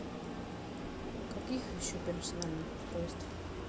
каких еще персональных устройств